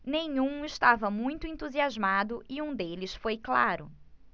nenhum estava muito entusiasmado e um deles foi claro